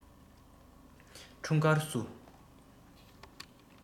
འཁྲུངས སྐར བསུ